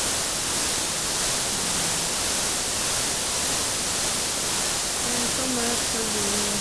I sommer skal vi...